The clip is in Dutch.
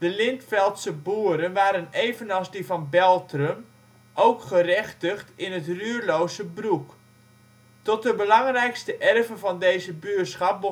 Lintveldse boeren waren evenals die van Beltrum ook gerechtigd in het Ruurlose Broek. Tot de belangrijkste erven in deze buurschap